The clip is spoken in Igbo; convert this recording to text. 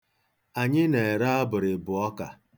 Anyị na-ere abụrịbụ ọka.